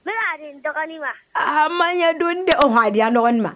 N bɛn'a di n dɔgɔnin, a ma ɲɛ dɔɔnin dɛ, awɔ a di an dɔgɔnin ma